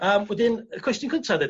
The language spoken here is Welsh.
Yym wedyn y cwestiyn cynta 'de...